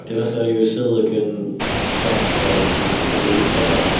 Ydy o fatha ryw silicone sex doll Mr Potato Head.